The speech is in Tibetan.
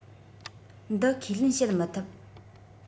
འདི ཁས ལེན བྱེད མི ཐུབ